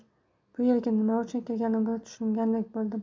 bu yerga nima uchun kelganimizni tushungandek bo'ldim